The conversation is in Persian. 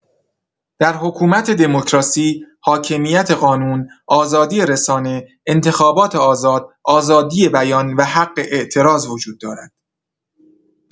در حکومت دموکراسی، حاکمیت قانون، آزادی رسانه، انتخابات آزاد، آزادی بیان و حق اعتراض وجود دارد.